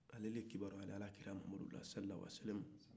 ale de kibaruyara alakira mamadu la